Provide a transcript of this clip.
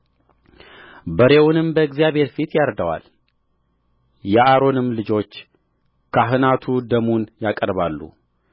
በሬውንም በእግዚአብሔር ፊት ያርደዋል የአሮንም ልጆች ካህናቱ ደሙን ያቀርባሉ